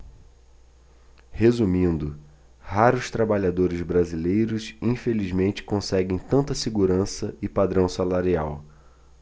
resumindo raros trabalhadores brasileiros infelizmente conseguem tanta segurança e padrão salarial